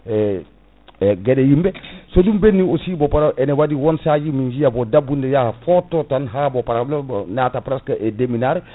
e gueɗe yimɓe so ɗum ɓenni aussi bo pa*ene waɗi won sahaji min jiiya dabbude yaaha fotto tan ha bo * nata presque e ndemminare